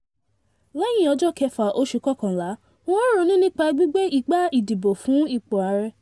Lẹ́yìn ọjọ́ kẹfà oṣù kọọkànlá, n ó ronú nípa gbígbé igbá ìdìbò fún ipò ààrẹ.